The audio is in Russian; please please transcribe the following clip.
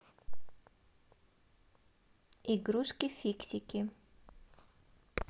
игрушки фиксики